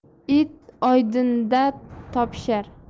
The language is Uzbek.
it oydinda topishar